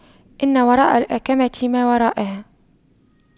إن وراء الأَكَمةِ ما وراءها